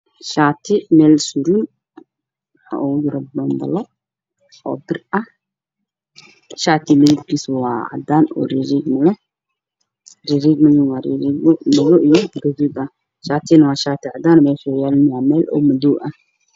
Waa boombalo waxaa ugu jira shaati cadaan ah iyo surwal madow ah